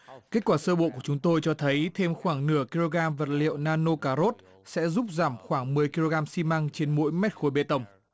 kết quả sơ bộ của chúng tôi cho thấy thêm khoảng nửa ki lô gam vật liệu na nô cà rốt sẽ giúp giảm khoảng mười ki lô gam xi măng trên mỗi mét khối bê tông